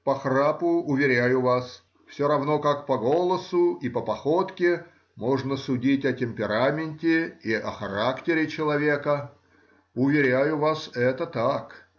по храпу, уверяю вас, все равно как по голосу и по походке, можно судить о темпераменте и о характере человека. Уверяю вас, это так